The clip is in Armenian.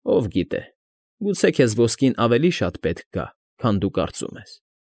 Ո՞վ գիտե, գուցե քեզ ոսկին ավելի շատ պետք գա, քան դու կարծում ես։